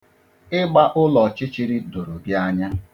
Ịgba ụlọ ọchịchịrị doro gị anya.